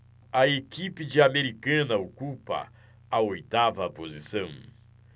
a equipe de americana ocupa a oitava posição